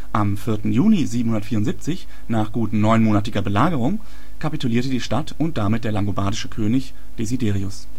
Am 4. Juni 774, nach gut neunmonatiger Belagerung, kapitulierte die Stadt und damit der langobardische König Desiderius